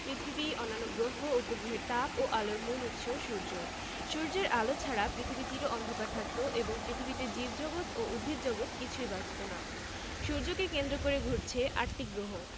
ভারতের সঙ্গে বাংলাদেশের বানিজ্যে সু সম্পর্ক রয়েছে ভারত পৃথিবীর বৃহত্তম গণতান্ত্রিক দেশ সংসদীয় গণতান্ত্রিক শাসন ব্যাবস্থা বহু বছর ধরে ভারতে সাফল্যের সঙ্গে কাজ করছে